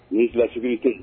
Ministre de la sécurité